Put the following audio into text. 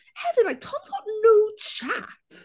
Hefyd like Tom's got no chat.